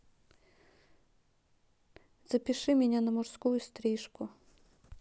запиши меня на мужскую стрижку